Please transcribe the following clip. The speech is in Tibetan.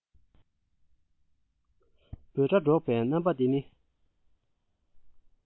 འབོད སྒྲ སྒྲོག པའི རྣམ པ འདི ནི